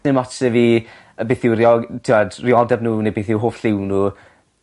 Dim ots 'da fi yy beth yw rywiol- t'wod rywioldeb n'w ne' beth yw hoff lliw n'w